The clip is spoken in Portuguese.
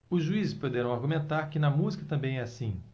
os juízes poderão argumentar que na música também é assim